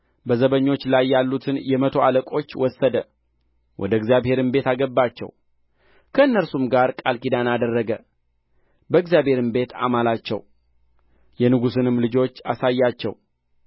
በዘበኞች ላይ ያሉትን የመቶ አለቆች ወሰደ ወደ እግዚአብሔርም ቤት አገባቸው ከእነርሱም ጋር ቃል ኪዳን አደረገ በእግዚአብሔርም ቤት አማላቸው የንጉሡንም ልጅ አሳያቸው